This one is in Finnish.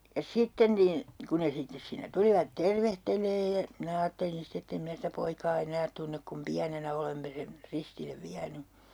ja sitten niin kun ne sitten siinä tulivat tervehtelemään ja minä ajattelin sitten että en minä sitä poikaa enää tunne kun pienenä olemme sen ristille vienyt